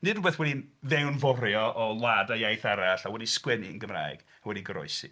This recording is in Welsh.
Nid rhywbeth wedi'i fewnforio o wlad a iaith arall a wedi 'sgwennu'n Gymraeg, wedi goroesi.